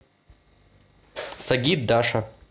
сагит даша